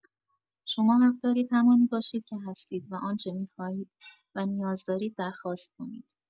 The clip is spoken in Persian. شما حق دارید همانی باشید که هستید و آنچه می‌خواهید و نیاز دارید درخواست کنید.